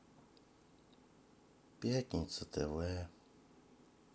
пятница тв